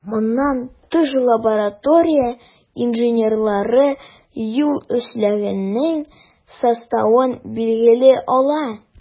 Моннан тыш, лаборатория инженерлары юл өслегенең составын билгели ала.